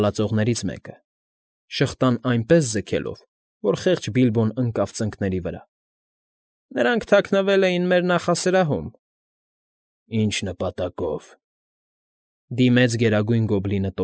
Հալածողներից մեկը, շղթան այնպես ձգելով, որ խեղճ Բիլբոն ընկավ ծնկների վրա։֊ Նրանք թաքնվել էին մեր նախասրահում։ ֊ Ի՞նչ նպատակով,֊ դիմեց Գերագույն Գոբլինը։